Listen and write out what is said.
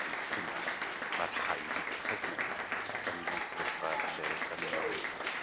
dwi'n cytuno ma' rhaid i bopeth newid. 'Dan ni mewn sefyllfa lle 'dan ni mewn